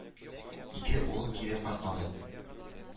Ике улым кире кайтмады,